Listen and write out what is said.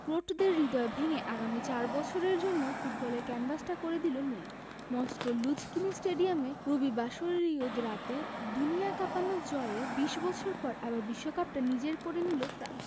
ক্রোটদের হৃদয় ভেঙে আগামী চার বছরের জন্য ফুটবলের ক্যানভাসটা করে দিল নীল মস্কোর লুঝনিকি স্টেডিয়ামে রবিবাসরীয় রাতে দুনিয়া কাঁপানো জয়ে ২০ বছর পর আবার বিশ্বকাপটা নিজেদের করে নিল ফ্রান্স